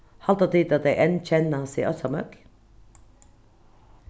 halda tit at tey enn kenna seg einsamøll